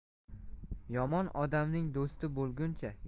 yomon odamning do'sti bo'lguncha